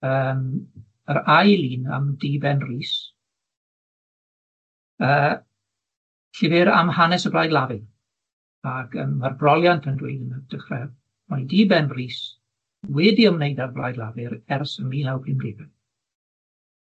Yym yr ail un am Dee Ben Rees yy llyfyr am hanes y Blaid Lafur, ag yym ma'r broliant yn dweud 'n dechre mae dŷ Ben Rees wedi ymwneud â'r Blaid Lafur ers mil naw pum dege.